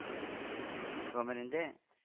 Гомерендә